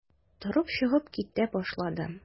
Торып чыгып китә башлады.